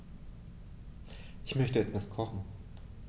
Ich möchte etwas kochen.